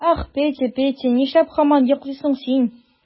Ах, Петя, Петя, нишләп һаман йоклыйсың син?